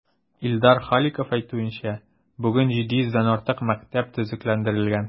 Илдар Халиков әйтүенчә, бүген 700 дән артык мәктәп төзекләндерелгән.